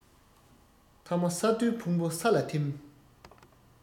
ཐ མ ས རྡོའི ཕུང པོ ས ལ ཐིམ